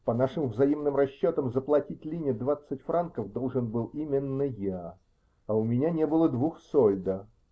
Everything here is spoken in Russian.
По нашим взаимным расчетам заплатить Лине двадцать франков должен был именно я. А у меня не было двух сольдо.